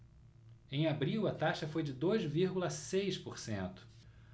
em abril a taxa foi de dois vírgula seis por cento